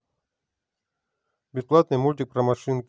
бесплатный мультик про машинки